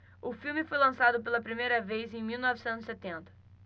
o filme foi lançado pela primeira vez em mil novecentos e setenta